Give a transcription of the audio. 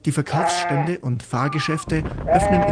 Verkaufsstände und Fahrgeschäfte öffnen